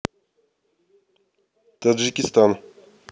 таджикистан